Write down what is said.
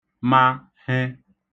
ma he